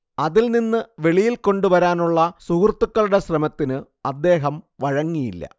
അതിൽ നിന്ന് വെളിയിൽ കൊണ്ടുവരാനുള്ള സുഹൃത്തുക്കളുടെ ശ്രമത്തിന് അദ്ദേഹം വഴങ്ങിയില്ല